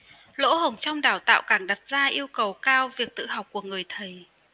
lỗ hổng trong đào tạo càng đặt ra yêu cầu cao việc tự học của người thầy